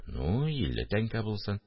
– ну, илле тәңкә булсын